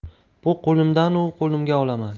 bu qo'limdan u qo'limga olaman